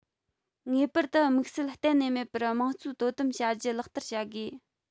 ངེས པར དུ དམིགས བསལ གཏན ནས མེད པར དམངས གཙོའི དོ དམ བྱ རྒྱུ ལག བསྟར བྱ དགོས